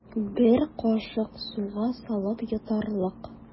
Бер кашык суга салып йотарлык.